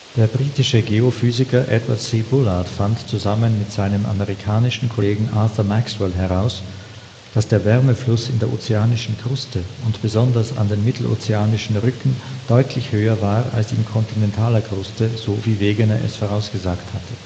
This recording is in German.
Der britische Geophysiker Edward C. Bullard fand zusammen mit seinem amerikanischen Kollegen Arthur Maxwell heraus, dass der Wärmefluss in der ozeanischen Kruste (und besonders an den Mittelozeanischen Rücken) deutlich höher war als in kontinentaler Kruste, so wie Wegener es vorausgesagt hatte